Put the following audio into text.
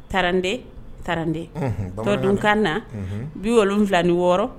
Tarande taarande tɔdonkan na bi wolo wolonwula ni wɔɔrɔ